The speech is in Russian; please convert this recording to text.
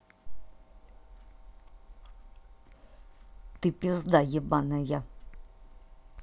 ты пизда ебаная